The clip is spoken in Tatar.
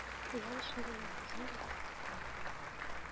Хыял эчендә ялгызың да бәхетле калып була.